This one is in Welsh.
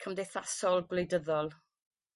cymdeithasol gwleidyddol.